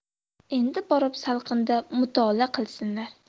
endi borib salqinda mutolaa qilsinlar